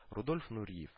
Рудольф Нуриев